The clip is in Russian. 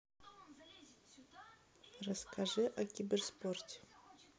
расскажи о киберспорте